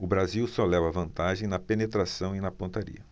o brasil só leva vantagem na penetração e na pontaria